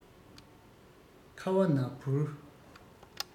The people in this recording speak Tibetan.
ཁ བ ན བོར